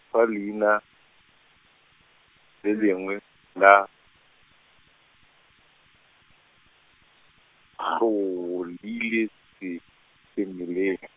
fa leina, le lengwe la, klo- rile se-, semeleng.